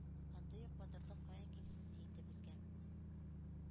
Андый ук батырлык каян килсен ди инде безгә.